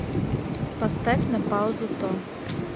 поставь на паузу то